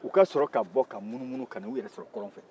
u ka sɔrɔ ka bɔ ka munun-munun ka n'u yɛrɛ sɔrɔ kɔrɔnfɛ